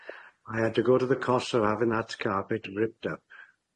I had to go to the cost of having that carpet ripped up.